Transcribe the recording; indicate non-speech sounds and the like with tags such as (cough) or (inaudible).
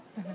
(hesitation) (hesitation)